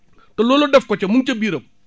te loola def ko ca mu ngi ca biiram